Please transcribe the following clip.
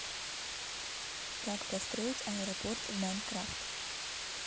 как построить аэропорт в minecraft